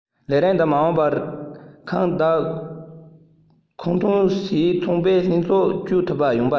ལས རིགས འདི མ འོངས པར ས ཁང བདག ཁོངས ཐོན འབྱེད ཚོང པས ལྷན ཚོགས སུ སྐྱོད ཐུབ ཡོང པ ཡིན